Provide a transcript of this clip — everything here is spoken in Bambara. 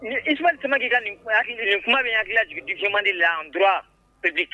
Israil Samake ka nin kuma in bɛ hakili lajigin 2e année droit publique